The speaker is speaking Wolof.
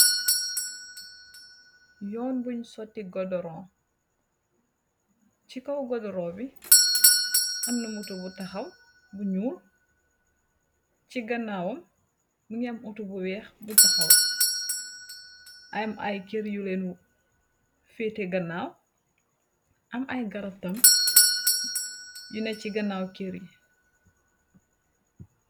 Yon bungh soti gohdohrong, chi kaw gohdohrong bi amna motor bu takhaw bu njull, chi ganawam mungy am autoh bu wekh bu takhaw, am aiiy keurr yu len feuteh ganaw, am aiiy garab tam yu neh chi ganaw keurr yii.